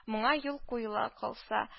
Моңа юл куела калса